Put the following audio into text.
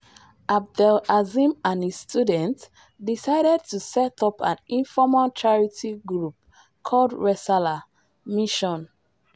Abdel-Azim and his students decided to set up an informal charity group called Resala (Mission).